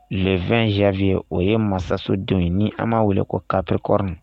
Le 20 janvier o ye masaso den ye ni an b'a wele ko capricorne .